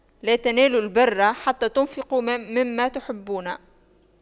لَن تَنَالُواْ البِرَّ حَتَّى تُنفِقُواْ مِمَّا تُحِبُّونَ